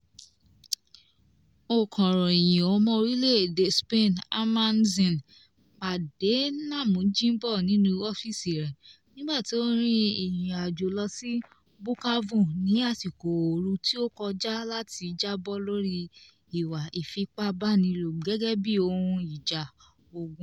Ọ̀ǹkọ̀ròyìn ọmọ orílẹ̀ èdè Spain Hermán Zin pàdé Namujimbo nínú ọ́fíìsì rẹ̀ nígbàtí ó rin ìrìn àjò lọ sí Bukavu ní àsìkò ooru tí ó kọjá láti jábọ̀ lórí ìwà ìfipábánilò gẹ́gẹ́ bíi ohun ìjà ogun.